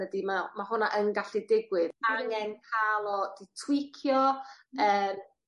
ydi mae o ma' honna yn gallu digwydd. Angen ca'l o 'di twicio yy